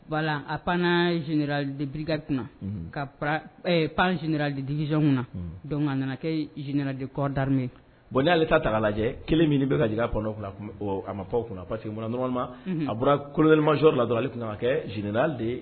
Bala a pan zrali bi kun ka panraliigiz kunna na donc a nana kɛ zinali kɔdimi ye bɔn n'ale ta taga lajɛ kelen min bɛka ka jigin a ma fɔw kɔnɔ pa quema a bɔra kolodmasio la don ale tun kɛ zinara de